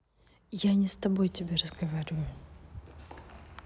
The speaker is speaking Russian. я не с тобой тебе разговариваю